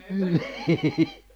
niin